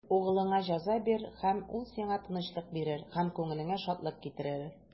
Углыңа җәза бир, һәм ул сиңа тынычлык бирер, һәм күңелеңә шатлык китерер.